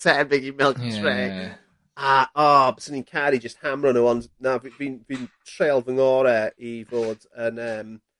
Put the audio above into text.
tebyg i Milk Tray. Ie. A o byswn i'n caru jyst hamero nw ond na fi fi'n fi'n trial fy ngore i fod yn yym